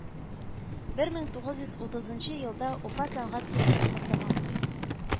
Бер мең тугыз йөз утызынчы елда уфа сәнгать техникумын тәмамлый